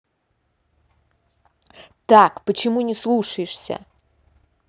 так почему не слушаешься